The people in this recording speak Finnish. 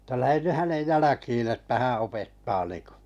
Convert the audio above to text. että lähden nyt hänen jälkiin että hän opettaa niin kuin